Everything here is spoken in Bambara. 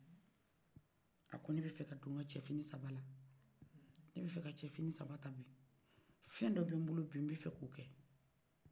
ko ne b'a fɛ k'a do nka cɛ fini sabala ne ba fɛ ka cɛ fini saba ta bi fɛndɔ bɛ nbolo bi n b'a fɛ k'o kɛ